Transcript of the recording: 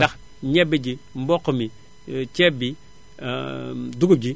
ndax ñebe ji mboq mi ceeb bi dugub ji